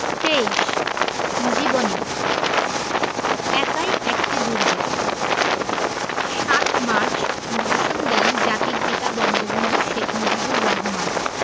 ২৩ জীবনী একাই একটি দুর্গ ৭ই মার্চ ভাষণ দেন জাতির পিতা বঙ্গবন্ধু শেখ মুজিবুর রহমান